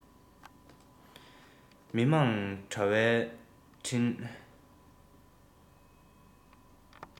མི དམངས དྲ བའི འཕྲིན